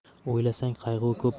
o'ylasang qayg'u ko'p